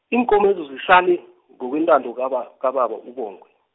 iinkomezo zisale, ngokwentando kaba- kababa uBongwe.